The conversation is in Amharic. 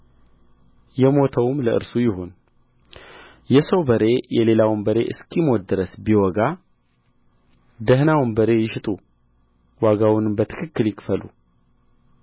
የሞተውም ለእርሱ ይሁን የሰው በሬ የሌላውን በሬ እስኪሞት ድረስ ቢወጋ ደኅናውን በሬ ይሽጡ ዋጋውንም በትክክል ይክፈሉ